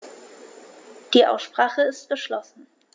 Die Aussprache ist geschlossen.